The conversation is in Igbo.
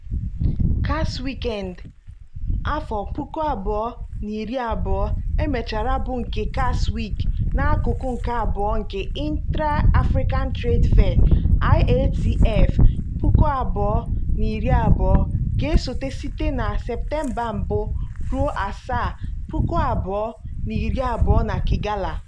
CAX Weekend 2020 e mechara bụ nke CAX Week n'akụkụ nke abụọ nke Intra-African Trade Fair (IATF2020) ga-esote site na Septemba 1-7, 2020, na Kigali.